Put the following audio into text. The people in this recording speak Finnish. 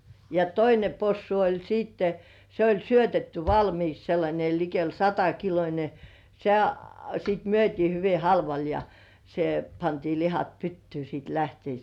ja toinen possu oli sitten se oli syötetty valmiiksi sellainen likelle satakiloinen se sitten myytiin hyvin halvalla ja se pantiin lihat pyttyyn sitten lähtiessä